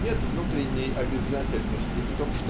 Нет внутренней обязательности в том